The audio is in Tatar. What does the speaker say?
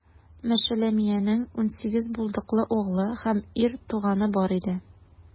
Мешелемиянең унсигез булдыклы углы һәм ир туганы бар иде.